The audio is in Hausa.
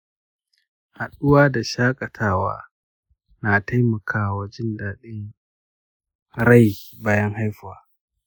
hutawa da shakatawa na taimaka wa jin daɗin rai bayan haihuwa.